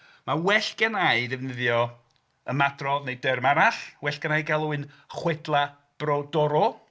Mae well genna i ddefnyddio ymadrodd neu derm arall. Well genna i'u galw yn chwedlau brodorol.